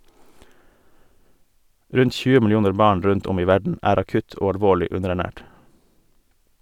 Rundt 20 millioner barn rundt om i verden er akutt og alvorlig underernært.